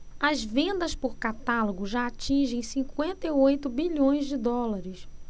as vendas por catálogo já atingem cinquenta e oito bilhões de dólares